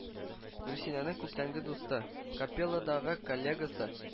Гөлсинәнең күптәнге дусты, капелладагы коллегасы